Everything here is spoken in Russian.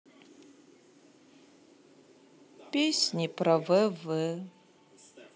песни про вв